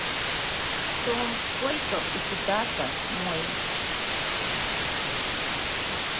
tom сколько у кудато мой